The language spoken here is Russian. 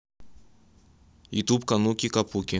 ютуб кануки капуки